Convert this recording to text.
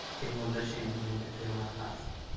seni o'ldirish endi menga qiyomat qarz